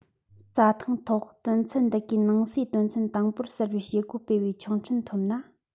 རྩྭ ཐང ཐོག དོན ཚན འདི གའི ནང གསེས དོན ཚན དང པོར གསལ བའི བྱེད སྒོ སྤེལ བའི ཆོག མཆན ཐོབ ན